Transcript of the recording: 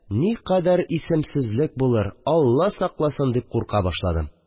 Никадәр исемсезлек булыр, алла сакласын!» – дип курка башладым